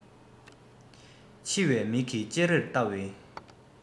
འཆི བའི མིག གིས ཅེ རེར བལྟ བའི